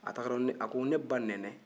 a ko ne ba nɛnɛ